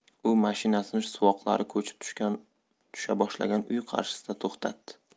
u mashinasini suvoqlari ko'chib tusha boshlagan uy qarshisida to'xtatdi